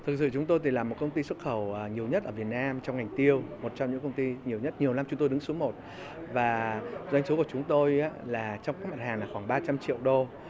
thực sự chúng tôi tự làm một công ty xuất khẩu nhiều nhất ở việt nam trong ngành tiêu một trong những công ty nhiều nhất nhiều năm chúng tôi đứng số một và doanh số của chúng tôi á là trong mùa hè là khoảng ba trăm triệu đô